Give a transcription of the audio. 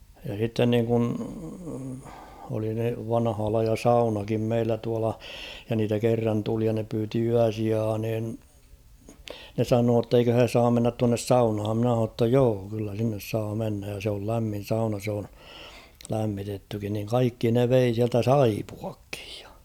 ja sitten niin kuin oli se vanhaa lajia saunakin meillä tuolla ja niitä kerran tuli ja ne pyysi yösijaa niin ne sanoi että eikö he saa mennä tuonne saunaan minä sanoin jotta joo kyllä sinne saa mennä ja se oli lämmin sauna se on lämmitettykin niin kaikki ne vei sieltä saippuatkin ja